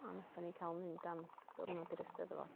A wnaethon ni cael mynd am diwrnod i'r Steddfod.